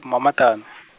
mahumimaṱanu.